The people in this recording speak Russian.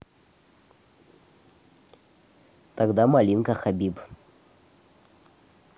тогда малинка хабиб